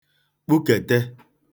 kpukète